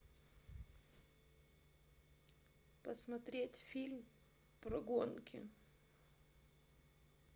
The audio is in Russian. посмотреть фильмы про гонки